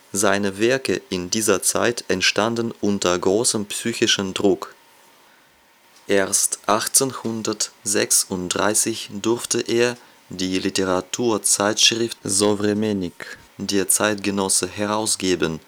seine Werke in dieser Zeit entstanden unter großem psychischen Druck. Erst 1836 durfte er die Literaturzeitschrift Sowremennik (Der Zeitgenosse) herausgeben